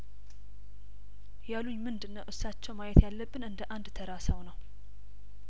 ያሉኝ ምንድነው እሳቸው ማየት ያለብን እንደአንድ ተራ ሰው ነው